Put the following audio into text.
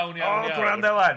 O gwrande ŵan!